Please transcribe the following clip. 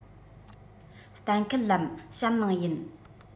གཏན འཁེལ ལམ གཤམ ནང ཡིན